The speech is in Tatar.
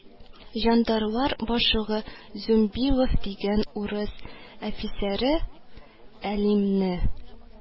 Жандарлар башлыгы зумбилов дигән урыс әфисәре: «әлимне